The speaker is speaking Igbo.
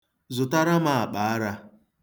Zụtara m akpaara.